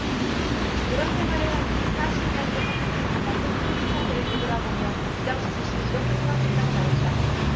결혼 생활을 한 지 사십 년 된 한 여성은 남편이 퇴직한 때를 뒤돌아보며 그 당시 자신이 이렇게 생각했다고 말했다